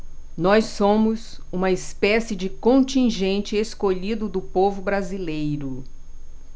nós somos uma espécie de contingente escolhido do povo brasileiro